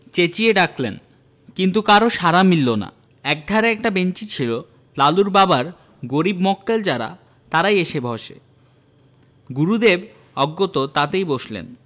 চেঁচিয়ে ডাকলেন কিন্তু কারও সাড়া মিলল না একধারে একটা বেঞ্চি ছিল লালুর বাবার গরীব মক্কেল যারা তাহারই এসে বসে গুরুদেব অগ্যত তাতেই বসলেন